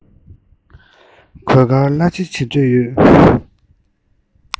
གོས དཀར ལྷ ཆེ བྱེད འདོད ཡོད